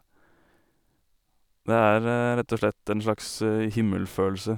Det er rett og slett en slags himmelfølelse.